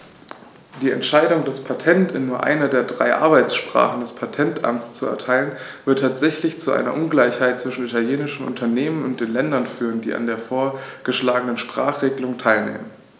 Die Entscheidung, das Patent in nur einer der drei Arbeitssprachen des Patentamts zu erteilen, wird tatsächlich zu einer Ungleichheit zwischen italienischen Unternehmen und den Ländern führen, die an der vorgeschlagenen Sprachregelung teilnehmen.